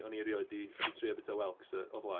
O'n i erioed 'di 'di trio bwyta whelks yy o blaen.